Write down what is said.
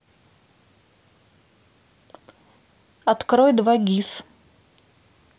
открой два гис